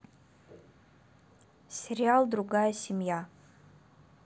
сериал другая семья